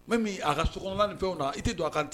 Mɛ min a ka sokɔnɔ fɛnw na i tɛ don a kan